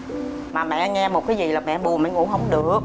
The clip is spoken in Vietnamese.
mà mẹ nghe một cái gì mẹ buồn mẹ ngủ không được